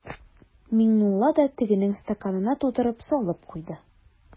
Миңнулла да тегенең стаканына тутырып салып куйды.